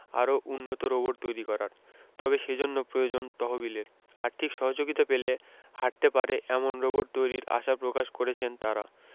আরও উন্নত রোবট তৈরি করার তবে সেজন্য প্রয়োজন তহবিলের আর্থিক সহযোগিতা পেলে হাটতে পারে এমন রোবট তৈরির আশা প্রকাশ করেছেন তারা